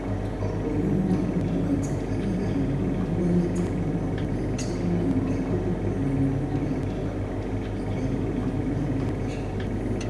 Ọ̀pọ̀ nínú àwọn ọ̀nà ìtànkálẹ̀ ààrùn náà ńwá láti inú àwọn àìtó ìdáààbòbò ara ẹni nígbà ìbálòpọ̀ nínú àwọn ìbáṣepọ̀ wọ̀nyí.